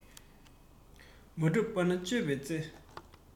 མ གྲུབ པ ན དཔྱོད པའི ཚེ